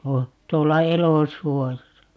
- tuolla elosuojassa